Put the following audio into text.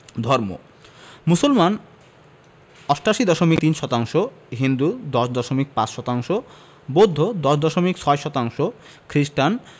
ধর্ম মুসলমান ৮৮দশমিক ৩ শতাংশ হিন্দু ১০দশমিক ৫ শতাংশ বৌদ্ধ ১০ দশমিক ৬ শতাংশ খ্রিস্টান